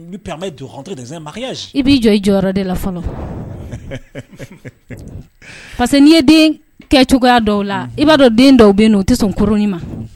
Nous permettre d'entrer dans un mariage I b'i jɔ i jɔyɔrɔ de la fɔlɔ parce que n'i ye den kɛ cogoya dɔw la, i b'a dɔn den dɔw bɛ yen o te sɔn konronni ma.